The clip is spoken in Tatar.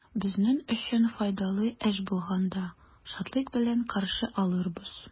Безнең өчен файдалы эш булганда, шатлык белән каршы алырбыз.